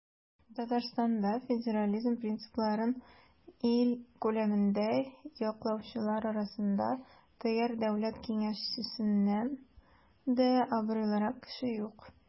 Татарстанда федерализм принципларын ил күләмендә яклаучылар арасында ТР Дәүләт Киңәшчесеннән дә абруйлырак кеше юк.